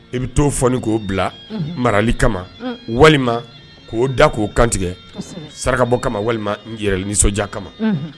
I bɛ t'o fɔɔni k'o bila marali kama walima k'o da k'o kantigɛ sarakabɔ kama walima yɛrɛ nisɔndiya kama